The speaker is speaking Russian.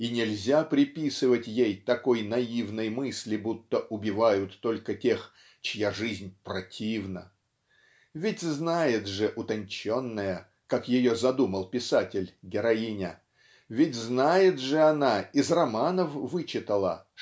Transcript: И нельзя приписывать ей такой наивной мысли будто убивают только тех чья жизнь "противна". Ведь знает же утонченная как ее задумал писатель героиня ведь знает же она из романов вычитала